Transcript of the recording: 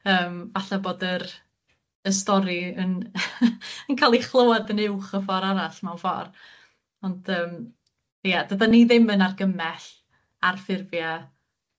yym falla bod yr y stori yn yn ca'l 'i chlywad yn uwch y ffor' arall mewn ffor ond yym, ia, dydan ni ddim yn argymell ar ffurfia'